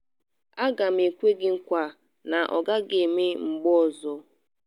A ga m ekwe gị nkwa na ọ gaghị eme mgbe ọzọ.